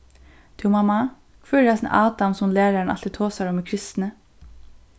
tú mamma hvør er hasin adam sum lærarin altíð tosar um í kristni